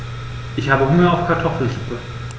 Ich habe Hunger auf Kartoffelsuppe.